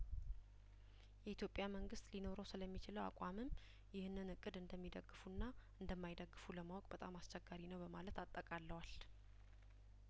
የኢትዮጵያ መንግስት ሊኖረው ስለሚ ችለው አቋምም ይህንን እቅድ እንደሚደግፉና እንደማይደግፉ ለማወቅ በጣም አስቸጋሪ ነው በማለት አጠቃለዋል